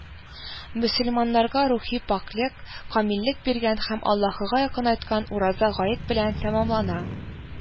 Мөселманнарга рухи пакьлек, камиллек биргән һәм Аллаһыга якынайткан ураза гает белән тәмамлана